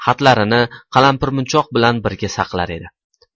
xatlarini qalampirmunchoq bilan birga saqlar edi